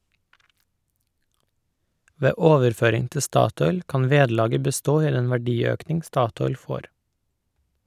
Ved overføring til Statoil kan vederlaget bestå i den verdiøkning Statoil får.